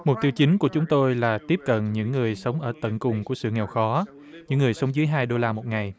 mục tiêu chính của chúng tôi là tiếp cận những người sống ở tận cùng của sự nghèo khó những người sống dưới hai đô la một ngày